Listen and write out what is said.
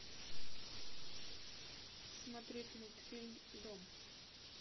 смотреть мультфильм дом